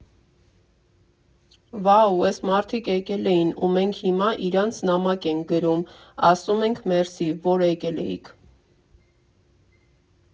Վա՜ու, էս մարդիկ եկել էին, ու մենք հիմա իրանց նամակ ենք գրում, ասում ենք մերսի, որ եկել էիք։